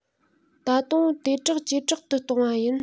ད དུང དེ དག ཇེ དྲག ཏུ གཏོང བ ཡིན